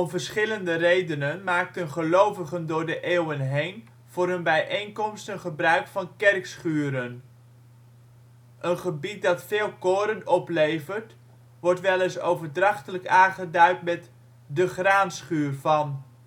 verschillende redenen maakten gelovigen door de eeuwen heen voor hun bijeenkomsten gebruik van kerkschuren. Een gebied dat veel koren oplevert wordt wel eens overdrachtelijk aangeduid met: de graanschuur van